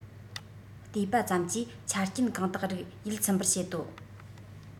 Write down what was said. བལྟས པ ཙམ གྱིས ཆ རྐྱེན གང དག རིགས ཡིད ཚིམ པར བྱེད དོ